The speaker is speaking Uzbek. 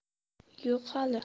yo'q hali